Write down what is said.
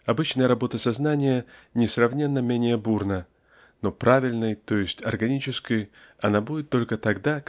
Обычная работа сознания несравненно менее бурна, но правильной, т. е. органической она будет только тогда